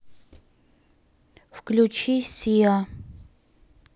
включи сиа